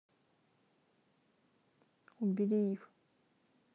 убери их